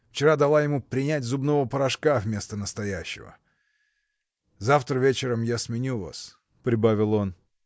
Вчера дала ему принять зубного порошка вместо настоящего. Завтра вечером я сменю вас. — прибавил он.